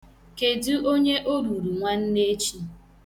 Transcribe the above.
Kedu onye o ruru nwanneechi?